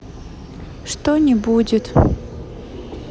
что не будет